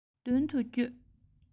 མདུན དུ བསྐྱོད